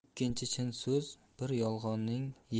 ikki chin so'z bir yolg'onning